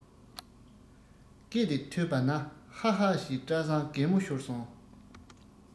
སྐད དེ ཐོས པ ན ཧ ཧ ཞེས བཀྲ བཟང གད མོ ཤོར སོང